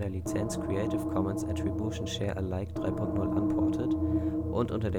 Lizenz Creative Commons Attribution Share Alike 3 Punkt 0 Unported und unter